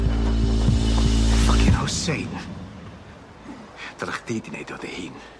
Ffycin Hossain. Dylach chdi 'di neud o dy hun.